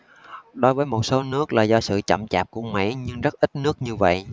đối với một số nước là do sự chậm chạp của mỹ nhưng rất ít nước như vậy